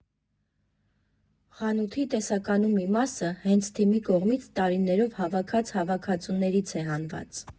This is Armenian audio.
Խանութի տեսականու մի մասը հենց թիմի կողմից տարիներով հավաքած հավաքածուներից են հանված։